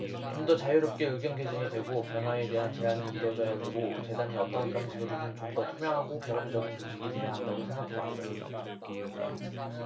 좀더 자유롭게 의견 개진이 되고 변화에 대한 제안이 이뤄져야 되고 재단이 어떤 방식으로든 좀 더 투명하고 개방적인 조직이 돼야 한다고 생각해 왔어요